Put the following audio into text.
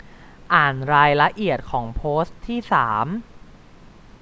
อ่านรายละเอียดของโพสต์ที่สาม